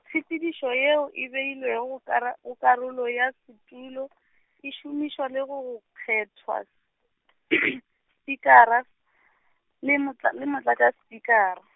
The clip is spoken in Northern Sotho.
tshepedišo yeo e beilego go kara-, go karolo ya setulo, e šomišwa le go kgethwa , spikara , le motla-, le motlatšaspikara.